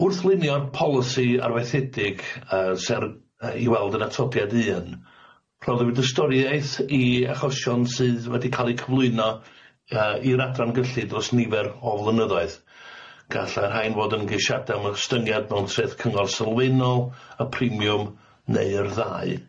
Wrth lunio'r polisi arweithiedig yy ser- yy i weld yn atodiad un, rhoddwyd y storiaeth i achosion sydd wedi ca'l eu cyflwyno yy i'r adran gyllid dros nifer o flynyddoedd, galla'r rhain fod yn geisiade am ystyngiad mewn treth cyngor sylwaennol, y premium, neu'r ddau.